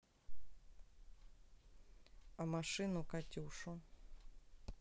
а машину катюшу